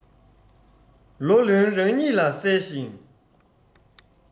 ལོ ལོན རང ཉིད ལ གསལ ཞིང